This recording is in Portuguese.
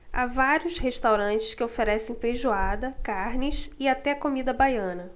há vários restaurantes que oferecem feijoada carnes e até comida baiana